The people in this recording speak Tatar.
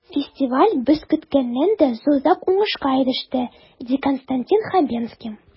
Фестиваль без көткәннән дә зуррак уңышка иреште, ди Константин Хабенский.